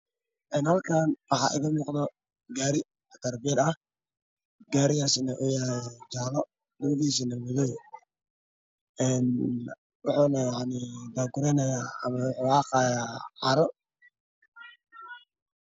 Halkaan waxaa iga muuqada gaari katarapeel ah gariigasna uu yahy jaalo luguhiisna uuyahay madow waxaa xaqayaa Caro ama ciid